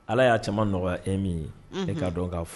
Ala y'a cɛman nɔgɔya e min ye e k kaa dɔn k'a fɔ